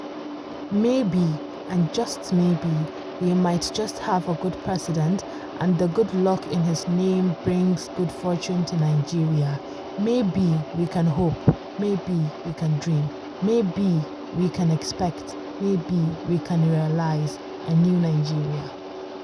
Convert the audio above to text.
Maybe and just maybe, we might just have a good President and the good luck in his name brings good fortune to Nigeria, maybe, we can hope, maybe, we can dream, maybe, we can expect, maybe, we can realise – A New Nigeria.